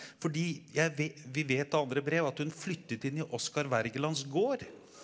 fordi jeg vi vet av andre brev at hun flyttet inn i Oscar Wergelands gård.